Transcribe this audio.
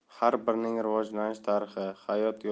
har birining rivojlanish tarixi hayot yo'li va